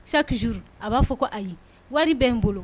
Chaque jour a b'a fɔ ko ayi, wari bɛ n bolo